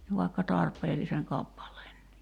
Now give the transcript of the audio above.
vaikka tarpeellisen kappaleenkin